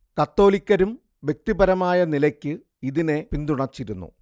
കത്തോലിക്കരും വ്യക്തിപരമായ നിലയ്ക്ക് ഇതിനെ പിന്തുണച്ചിരുന്നു